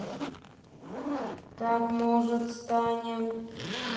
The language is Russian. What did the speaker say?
так может станем